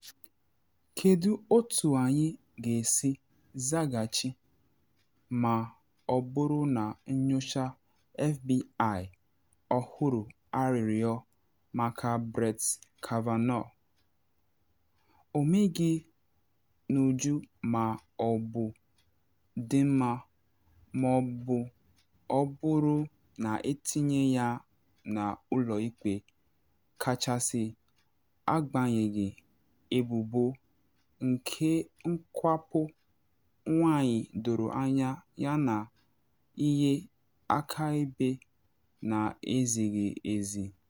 “Kedu otu anyị ga-esi zaghachi ma ọ bụrụ na nnyocha F.B.I ọhụrụ arịrịọ maka Brett Kavanaugh emeghị n’uju ma ọ bụ dị mma - ma ọ bụ ọ bụrụ na etinye ya na Ụlọ Ikpe Kachasị agbanyeghị ebubo nke nwakpo nwanyị doro anya yana ihe akaebe na ezighi ezi?